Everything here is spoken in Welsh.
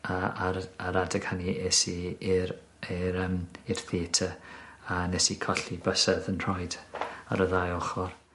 a a'r y a'r adeg hynny es i i'r i'r yym i'r theatr a nes i colli bysedd 'yn nhraed ar y ddau ochor.